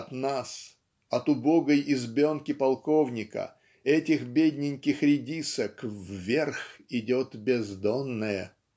от нас, от убогой избенки полковника, этих бедненьких редисок. вверх идет бездонное",